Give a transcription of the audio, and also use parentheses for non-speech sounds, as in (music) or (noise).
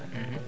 (hesitation) (hesitation)